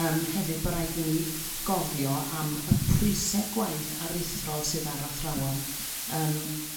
yrm hefyd bo' raid i ni gofio am y pwyse gwaith aruthrol sydd ar athrawon yrm.